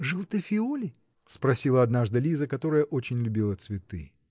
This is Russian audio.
"Желтофиоли?" -- спросила однажды Лиза, которая очень любила цветы.